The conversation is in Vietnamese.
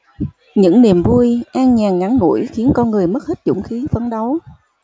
những niềm vui an nhàn ngắn ngủi khiến con người mất hết dũng khí phấn đấu